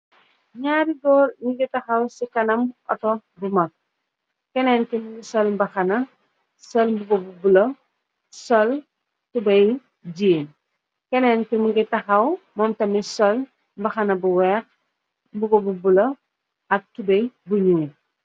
Ñaari goor nu ngi tahaw ci kanam oto bu mag. keneen ki mungi sol mbahana sol mbub bu bulo, sol tubey jiin. Keneen ki mu ngi tahaw moom tamit, sol mbahana bu weex, mbub bu bula ak tubey bu ñuul.